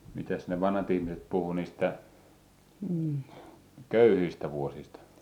mitäs ne vanhat ihmiset puhui niistä köyhistä vuosista